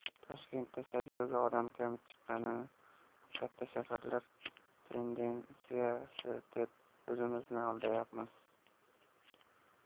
toshkentda saylovga odam kam chiqqanini bu katta shaharlar tendensiyasi deb o'zimizni aldayapmiz